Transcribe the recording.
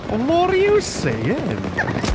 What are you saying?